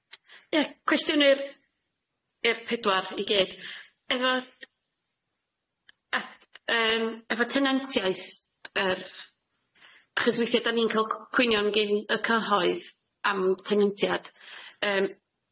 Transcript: Ia cwestiwn i'r i'r pedwar i gyd. Efo'r- at- yym efo tenantiaeth yr- achos weithia' 'dan ni'n ca'l c- cwynion gin y cyhoedd am tenantiad, yym.